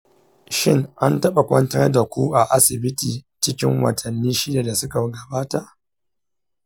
shin an taɓa kwantar da ku a asibiti a cikin watanni shida da suka gabata?